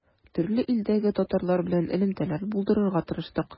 Төрле илдәге татарлар белән элемтәләр булдырырга тырыштык.